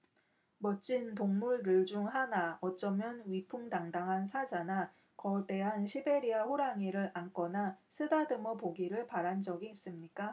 멋진 동물들 중 하나 어쩌면 위풍당당한 사자나 거대한 시베리아호랑이를 안거나 쓰다듬어 보기를 바란 적이 있습니까